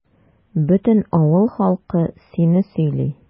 Бөтен авыл халкы сине сөйли.